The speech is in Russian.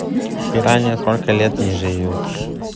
пирания сколько лет не живут